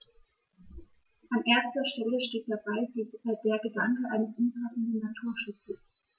An erster Stelle steht dabei der Gedanke eines umfassenden Naturschutzes.